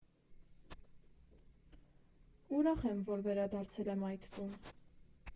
Ուրախ եմ, որ վերադարձել եմ այդ տուն։